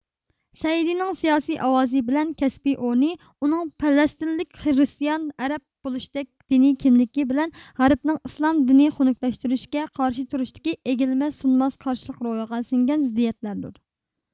سەئىدنىڭ سىياسىي ئاۋازى بىلەن كەسپىي ئورنى ئۇنىڭ پەلەسىتىنلىك خرىستىيان ئەرەب بولۇشتەك دىنىي كىملىكى بىلەن غەربنىڭ ئىسلام دىنىنى خۇنۇكلەشتۈرۈشكە قارشى تۇرۇشتىكى ئېگىلمەس سۇنماس قارشىلىق روھىغا سىڭگەن زىددىيەتلەردۇر